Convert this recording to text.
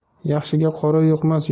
yaxshiga qora yuqmas